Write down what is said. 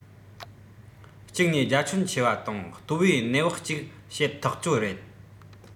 གཅིག ནས རྒྱ ཁྱོན ཆེ བ དང སྟོད བའི ནད བག ཅིག བཤད ཐག ཆོད རེད